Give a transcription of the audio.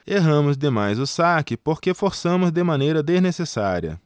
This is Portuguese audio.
erramos demais o saque porque forçamos de maneira desnecessária